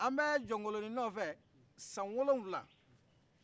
an bɛ jɔnkoloni nɔfɛ san wolofila